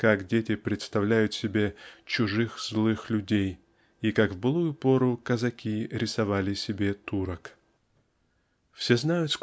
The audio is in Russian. как дети представляют себе "чужих злых людей" и как в былую пору казаки рисовали себе турок. Все знают